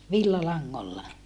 villalangoilla